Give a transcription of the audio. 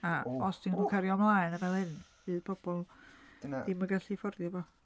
A... o. ...os 'di... o. ...nhw'n cario 'mlaen fel hyn fydd pobl... dyna ...ddim yn gallu fforddio fo.